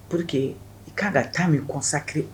Pour que i kaan k'a temps min consacrer